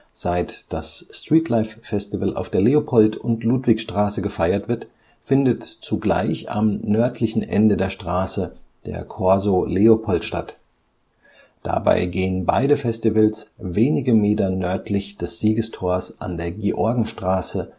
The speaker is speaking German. Seit das Streetlife Festival auf der Leopold - und Ludwigstraße gefeiert wird, findet zugleich am nördlichen Ende der Straße der Corso Leopold statt. Dabei gehen beide Festivals wenige Meter nördlich des Siegestors an der Georgenstraße